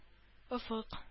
Офык